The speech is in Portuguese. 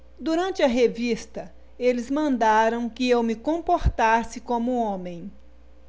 durante a revista eles mandaram que eu me comportasse como homem